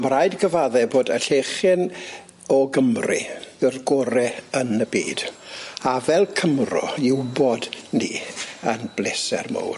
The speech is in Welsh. Ma' raid gyfadde bod y llechyn o Gymru yw'r gore yn y byd a fel Cymro i wbod 'ny yn bleser mowr.